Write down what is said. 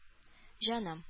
Җаным